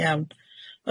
Iawn.